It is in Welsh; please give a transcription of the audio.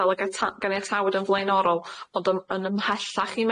fel y ga- ta- ganiatawyd yn flaenorol ond yn yn ymhellach i